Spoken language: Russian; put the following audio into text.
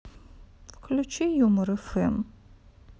включи юмор фм